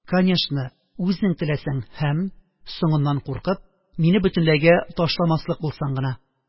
Конечно, үзең теләсәң һәм соңыннан куркып, мине бөтенләйгә ташламаслык булсаң гына.